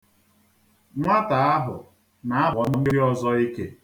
Nwata ahụ na-abọ ndị ọzọ ike.